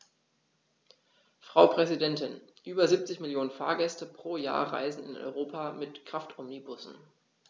Frau Präsidentin, über 70 Millionen Fahrgäste pro Jahr reisen in Europa mit Kraftomnibussen.